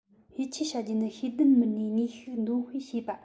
ཡིད ཆེས བྱ རྒྱུ ནི ཤེས ལྡན མི སྣས ནུས ཤུགས འདོན སྤེལ བྱེད པ